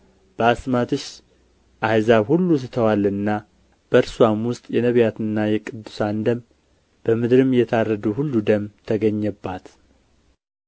በአስማትሽም አሕዛብ ሁሉ ስተዋልና በእርስዋም ውስጥ የነቢያትና የቅዱሳን ደም በምድርም የታረዱ ሁሉ ደም ተገኘባት